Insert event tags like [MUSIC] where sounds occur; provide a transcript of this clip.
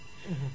[HESITATION] [HESITATION]